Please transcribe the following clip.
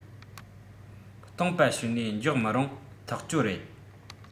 སྟོང པ བྱོས ནས འཇོག མི རུང ཐག ཆོད རེད